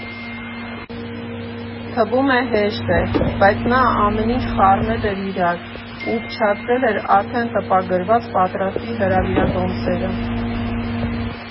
Թվում է՝ հեշտ է, բայց նա ամեն ինչ խառնել էր իրար ու փչացրել էր արդեն տպագրված, պատրաստի հրավիրատոմսերը.